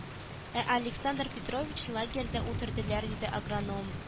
Ә александр петровичны лагерьда үтерделәр диде агроном